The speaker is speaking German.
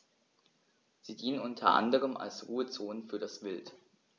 Sie dienen unter anderem als Ruhezonen für das Wild.